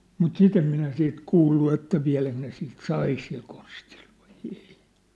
mutta sitten en minä siitä kuullut että vieläkö ne siitä sai sillä konstilla vai ei